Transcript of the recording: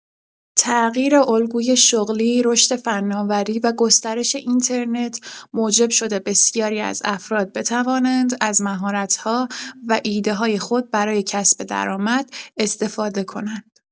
تغییر الگوی شغلی، رشد فناوری و گسترش اینترنت موجب شده بسیاری از افراد بتوانند از مهارت‌ها و ایده‌های خود برای کسب درآمد استفاده کنند.